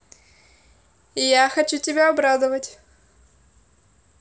я хочу тебя обрадовать